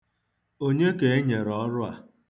Onye ka e nyere ọrụ a?